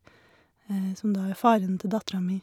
Som da er faren til dattera mi.